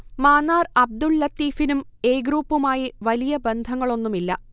മാന്നാർ അബ്ദുൽ ലത്തീഫിനും എ ഗ്രൂപ്പുമായി വലിയ ബന്ധങ്ങളൊന്നുമില്ല